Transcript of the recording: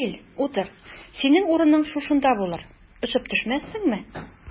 Кил, утыр, синең урының шушында булыр, очып төшмәссеңме?